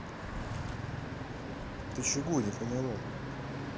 ты чего не поняла